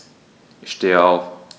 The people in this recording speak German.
Ich stehe auf.